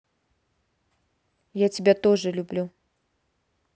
я тебя тоже люблю